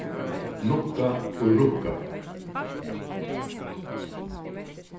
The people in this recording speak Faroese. lukka og rukka